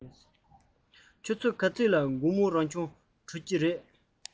ཆུ ཚོད ག ཚོད ལ དགོང མོའི རང སྦྱོང གྲོལ ཀྱི རེད